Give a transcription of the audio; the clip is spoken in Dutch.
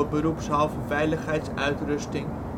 beroepshalve veiligheidsuitrusting